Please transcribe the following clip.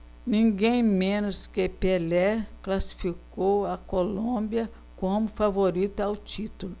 ninguém menos que pelé classificou a colômbia como favorita ao título